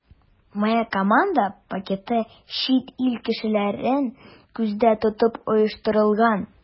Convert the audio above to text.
“моя команда” пакеты чит ил кешеләрен күздә тотып оештырылган.